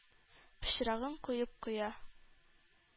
Пычрагын коеп куя.